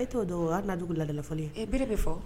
E t'o dɔn o aruna dugu la fɔlɔlen bere bɛ fɔ